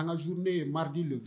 An ka suruurnen ye maridi fɛ